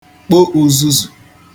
kpo uzuzù